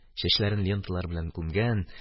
Чәчләрен ленталар белән күмгән